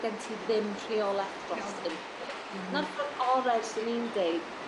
gen ti ddim rheoleth drosy unrywbeth. 'Na'r ffordd ore swn i'n deud